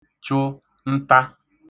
chụ nta